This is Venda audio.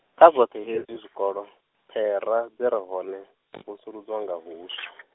kha zwoṱhe hezwi zwikolo, phera, dzi re hone, vusuludzwa nga husaw.